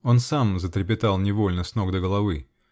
он сам затрепетал невольно, с ног до головы.